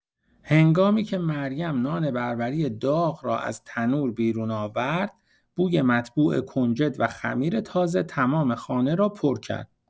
هنگامی‌که مریم نان بربری داغ را از تنور بیرون آورد، بوی مطبوع کنجد و خمیر تازه تمام خانه را پر کرد.